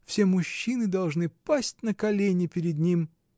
Все мужчины должны пасть на колени перед ним!!.